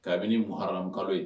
Kabini mu hara ye